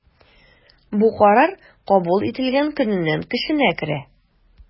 Бу карар кабул ителгән көннән көченә керә.